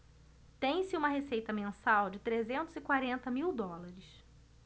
tem-se uma receita mensal de trezentos e quarenta mil dólares